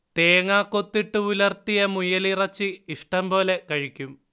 തേങ്ങക്കൊത്തിട്ട് ഉലർത്തിയ മുയലിറച്ചി ഇഷ്ടം പോലെ കഴിക്കും